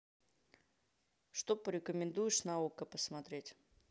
что порекомендуешь на окко посмотреть